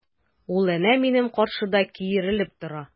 Ул әнә минем каршыда киерелеп тора!